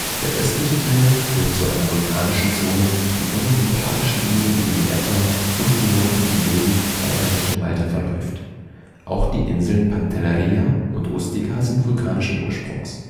Der östliche Teil gehört zu einer vulkanischen Zone, die von den Liparischen Inseln über den Ätna und die Monti Iblei weiter Richtung Malta verläuft. Auch die Inseln Pantelleria und Ustica sind vulkanischen Ursprungs